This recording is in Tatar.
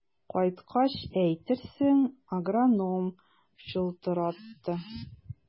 Кайткач әйтерсең, агроном чылтыратты.